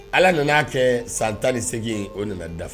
Ala nana'a kɛ san tan ni seggin o nana dafa